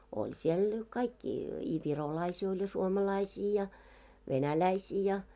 oli siellä kaikki i virolaisia oli ja suomalaisia ja venäläisiä ja